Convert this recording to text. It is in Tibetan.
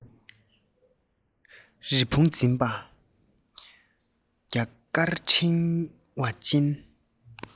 རི བོང འཛིན པ རྒྱུ སྐར ཕྲེང བ ཅན